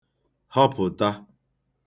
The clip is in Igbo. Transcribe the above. họpụ̀ta